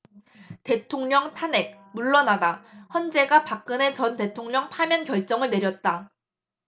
대통령 탄핵 물러나다 헌재가 박근혜 전 대통령 파면 결정을 내렸다